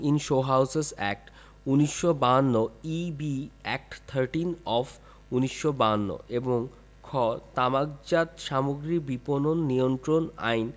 In শোঁ houses act ১৯৫২ E B. Act thirteen of ১৯৫২ এবং খ তামাকজাত সামগ্রী বিপণন নিয়ন্ত্রণ আইন